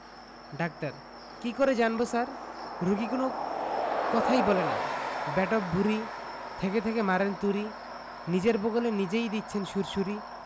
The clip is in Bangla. ডাক্তার কি করে জানব স্যার রোগী কোন কথাই বলে না বেঢপ ভূঁড়ি থেকে থেকে মারেন তুড়ি নিজের বগলে নিজেই দিচ্ছেন সুড়সুড়ি